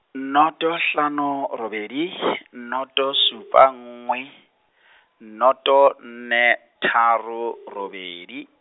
noto, hlano robedi , noto supa nngwe , noto nne, tharo robedi.